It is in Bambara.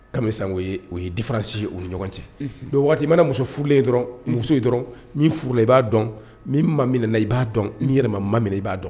Kami sango ye o ye différence ye u ni ɲɔgɔn cɛ donc o wagati i mana muso furulen ye dɔrɔn muso dɔrɔn min furula i b'a dɔn min maminɛna i b'a don min yɛrɛ ma maminɛ i b'a dɔn